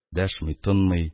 . дәшми-тынмый,